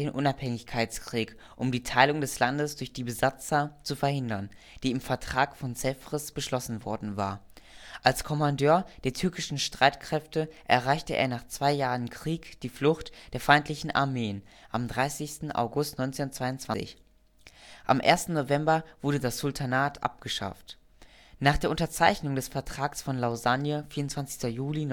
Unabhängigkeitskrieg, um die Teilung des Landes durch die Besatzer zu verhindern, die im Vertrag von Sevres beschlossen worden war. Als Kommandeur der türkischen Streitkräfte erreichte er nach zwei Jahren Krieg die Flucht der feindlichen Armeen am 30. August 1922. Am 1. November wurde das Sultanat abgeschafft. Nach der Unterzeichnung des Vertrags von Lausanne (24. Juli